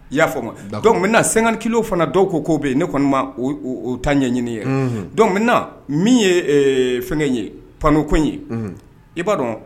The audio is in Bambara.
I y'a faamu d'ccord, donc, maintenant, 50 kiilos fana dɔw ko k'o bɛ yen ne kɔni ma o ta ɲɛɲini yɛrɛ , unhun, donc maintenant min ye fɛnkɛ panauv ko in ye, unhun, i b'a don